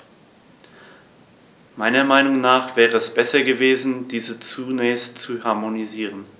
Meiner Meinung nach wäre es besser gewesen, diese zunächst zu harmonisieren.